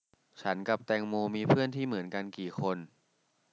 ฉันกับแตงโมมีเพื่อนที่เหมือนกันกี่คน